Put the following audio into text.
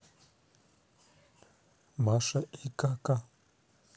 маша и кака